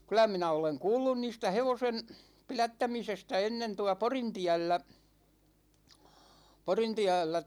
kyllä minä olen kuullut niistä hevosen pidättämisestä ennen tuolla Porintiellä Porintiellä